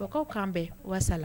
Mɔgɔw'an bɛn walasasa la